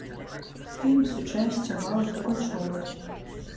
фильм с участием аллы пугачевой